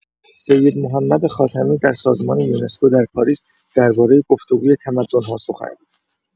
سید محمد خاتمی در سازمان یونسکو در پاریس درباره گفتگوی تمدن‌ها سخن گفت.